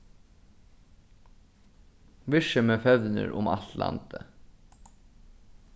virksemið fevnir um alt landið